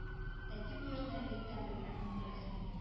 Әти бу йортны электән белгән, күрәсең